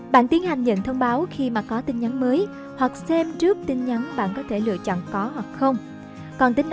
bạn tiến hành nhận thông báo khi mà có tin nhắn mới hoặc xem trước tin nhắn bạn có thể lựa chọn có hoặc không còn tính năng nữa rất là hay